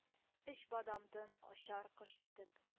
— өч бадамдын очар кош итеп,